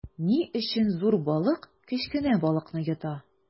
Ни өчен зур балык кечкенә балыкны йота?